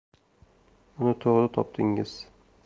buni to'g'ri topdingiz